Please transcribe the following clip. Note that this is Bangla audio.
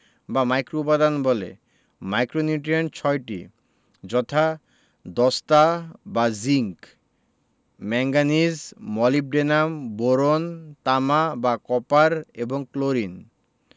বা মাইক্রোউপাদান বলে মাইক্রোনিউট্রিয়েন্ট ৬টি যথা দস্তা বা জিংক ম্যাংগানিজ মোলিবডেনাম বোরন তামা বা কপার এবং ক্লোরিন